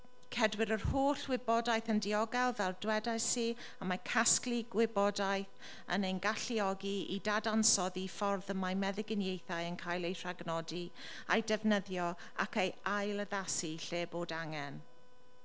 Cedwir yr holl wybodaeth yn diogel fel dwedais i a mae casglu gwybodaeth yn ein galluogi i dadansoddi ffordd y mae meddyginiaethau yn cael eu rhagnodi a'i defnyddio ac eu ail-addasu lle bod angen.